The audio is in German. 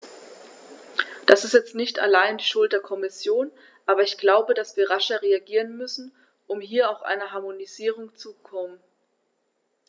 Das ist jetzt nicht allein die Schuld der Kommission, aber ich glaube, dass wir rascher reagieren müssen, um hier auch zu einer Harmonisierung zu kommen.